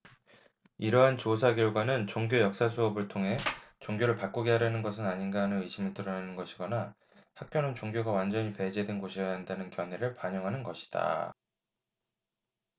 이러한 조사 결과는 종교 역사 수업을 통해 종교를 바꾸게 하려는 것은 아닌가 하는 의심을 드러내는 것이거나 학교는 종교가 완전히 배제된 곳이어야 한다는 견해를 반영하는 것이다